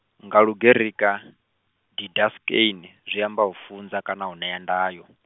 nga lugerika, didaskein, zwi amba u funza kana u ṋea ndayo.